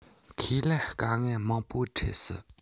ཁས ལེན དཀའ ངལ མང པོ འཕྲད སྲིད